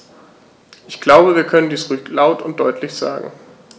Ich glaube, wir können dies ruhig laut und deutlich sagen.